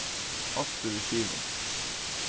ostur í skivum